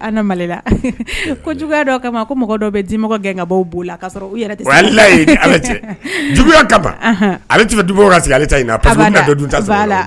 An malila ko juguya dɔw kama ko mɔgɔ dɔw bɛ dimɔgɔ gɛn kabaw bolo lala juguya ka ban ale tun bɛ duti ale ta la